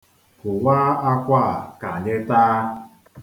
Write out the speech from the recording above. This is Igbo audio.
Kụwaa akwa a ka anyị taa.